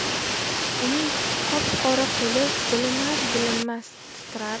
uning qop qora qo'li bilinar bilinmas titrar